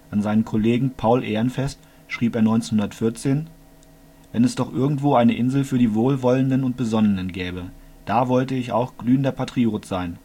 An seinen Kollegen Paul Ehrenfest schrieb er 1914: „ Wenn es doch irgendwo eine Insel für die Wohlwollenden und Besonnenen gäbe! Da wollte ich auch glühender Patriot sein